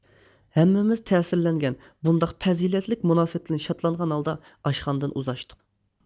ھەممىمىز تەسىرلەنگەن بۇنداق پەزىلەتلىك مۇناسىۋەتتىن شادلانغان ھالدا ئاشخانىدىن ئۇزاشتۇق